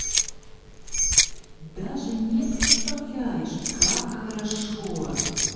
даже не представляешь как хорошо